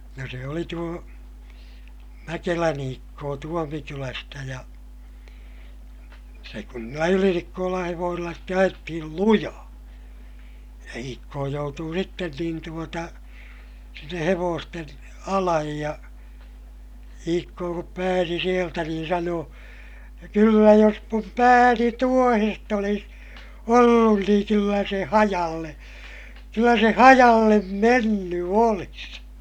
ja se oli tuo Mäkelän Iikkoo Tuomikylästä ja se kun niillä Ylinikkolan hevosilla sitten ajettiin lujaa ja Iikkoo joutui sitten niin tuota sinne hevosten alle ja Iikkoo kun pääsi sieltä niin sanoi kyllä jos minun pääni tuohesta olisi ollut niin kyllä se hajalle kyllä se hajalle mennyt olisi